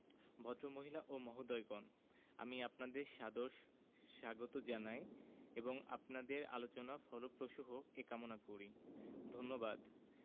ভদ্রমহিলা ও মহোদয়গণ আমি আপনাদের সাদর স্বাগত জানাই এবং আপনাদের আলোচনা ফলপ্রসূ হোক এ কামনা করি ধন্যবাদ